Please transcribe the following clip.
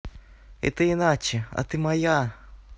это иначе а ты моя